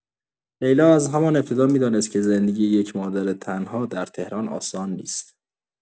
لیلا از همان ابتدا می‌دانست که زندگی یک مادر تنها در تهران آسان نیست.